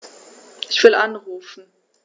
Ich will anrufen.